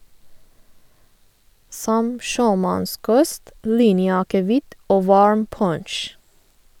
Som sjømannskost, linjeakevitt og varm punsj.